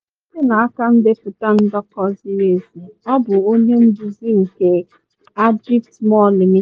Site n’aka ndepụta ndekọ ziri ezi, ọ bụ onye nduzi nke Adriftmorn Limited.